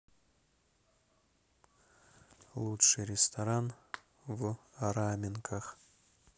лучший ресторан в раменках